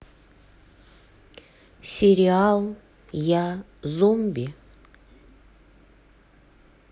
сериал я зомби